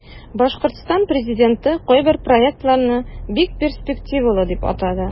Башкортстан президенты кайбер проектларны бик перспективалы дип атады.